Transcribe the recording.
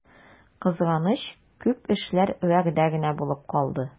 Кызганыч, күп эшләр вәгъдә генә булып калды.